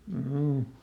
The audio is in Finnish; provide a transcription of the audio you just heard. juu